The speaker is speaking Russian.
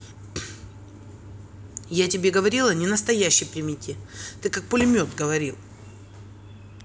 я тебе говорила не настоящий примете ты как пулемет говорил